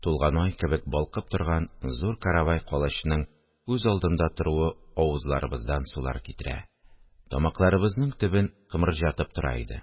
Тулган ай кебек балкып торган зур каравай калачның күз алдында торуы авызларыбыздан сулар китерә, тамакларыбызның төбен кымырҗытып тора иде